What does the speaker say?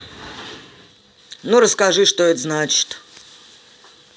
ну расскажи что это значит